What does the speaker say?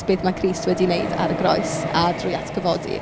Beth ma' Christ wedi wneud ar y groes a drwy atgyfodi